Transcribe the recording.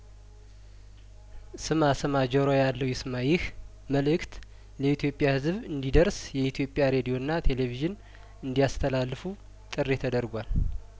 ስማ ስማ ጆሮ ያለው ይስማ ይህ መልእክት ለኢትዮጵያ ህዝብ እንዲደርስ የኢትዮጵያ ሬዲዮና ቴሌቭዥን እንዲ ያስተላልፉ ጥሪ ተደርጓል